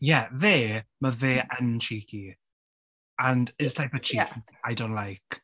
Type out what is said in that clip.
Ie fe, ma' fe yn cheeky. And it's like a cheeky... yeah ...I don't like.